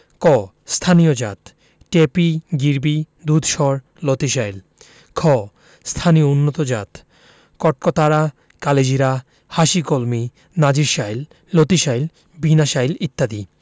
ক স্থানীয় জাতঃ টেপি গিরবি দুধসর লতিশাইল খ স্থানীয় উন্নতজাতঃ কটকতারা কালিজিরা হাসিকলমি নাজির শাইল লতিশাইল বিনাশাইল ইত্যাদি